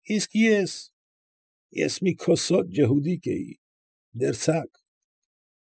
Իսկ ես… ես մի քոսոտ ջհուդիկ էի… դերձակ։